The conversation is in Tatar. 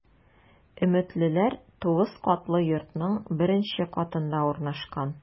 “өметлеләр” 9 катлы йортның беренче катында урнашкан.